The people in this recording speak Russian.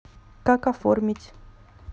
как оформить